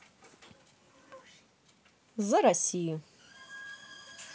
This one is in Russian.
за россию